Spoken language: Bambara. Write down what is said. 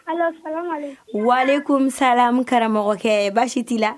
Wali ko misala karamɔgɔkɛ baasi' la